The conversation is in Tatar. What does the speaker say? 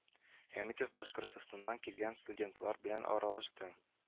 Хәмитов башкортстаннан килгән стдуентлар белән аралашты